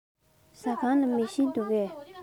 ཟ ཁང ལ རྩམ པ འདུག གས